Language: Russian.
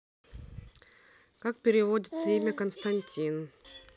как переводится имя константин